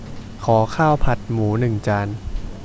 ขอข้าวผัดหมูหนึ่งจาน